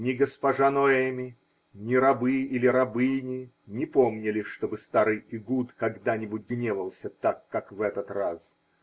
Ни госпожа Ноэми, ни рабы или рабыни не помнили, чтобы старый Эгуд когда-нибудь гневался так, как в этот раз.